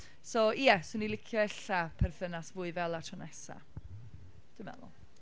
So ie, 'swn i'n licio ella perthynas fwy fel ’na tro nesa. Dwi’n meddwl.